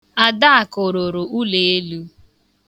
Adaakụ rụrụ ụleelu.